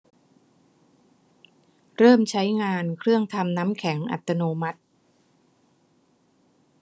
เริ่มใช้งานเครื่องทำน้ำแข็งอัตโนมัติ